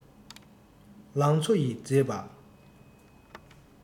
ལང ཚོ ཡི མཛེས པ